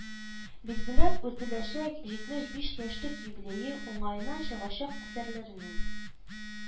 Билгеләп үтеләчәк җитмеш биш яшьлек юбилее уңаеннан чыгачак әсәрләренең